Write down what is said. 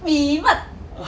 bí mật